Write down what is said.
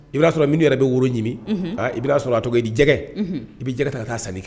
I be taa a sɔrɔ minnu yɛrɛ be woro ɲimi unhun an i be taa a sɔrɔ a tɔgɔ ye di jɛgɛ unhun i be jɛgɛ ta ka taa sanni kɛ